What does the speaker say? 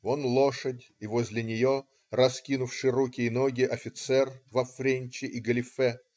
Вон лошадь и возле нее, раскинувши руки и ноги, офицер во френче и галифе.